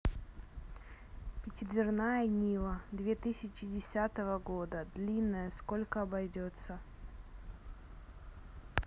пятидверная нива две тысячи десятого года длинная сколько обойдется